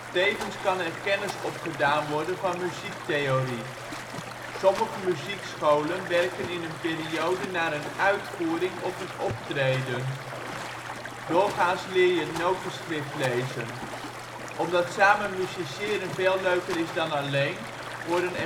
Tevens kan er kennis opgedaan worden van muziektheorie. Sommige muziekscholen werken in een periode naar een uitvoering of een optreden. Doorgaans leer je het notenschrift lezen. Omdat samen musiceren veel leuker is dan alleen, worden